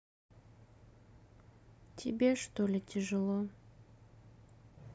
тебе что ли тяжело